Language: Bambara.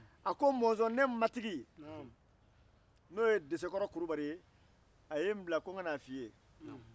a ko mɔnzɔn ne matigi n'o ye desekɔrɔ kulubali ye a ye n bila ko n ka na a fɔ i ye